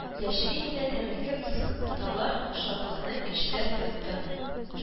Дәшми генә тәмәке пыскыталар, шатлыкның эчтә тып-тын